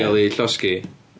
'Di cael eu llosgi,